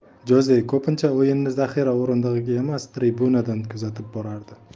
joze ko'pincha o'yinni zaxira o'rindig'ida emas tribunadan kuzatib borardi